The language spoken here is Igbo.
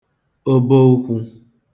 obo ụkwụ̄